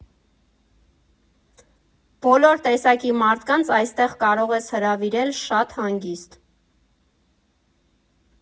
Բոլոր տեսակի մարդկանց այստեղ կարող ես հրավիրել շատ հանգիստ։